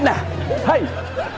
nè hây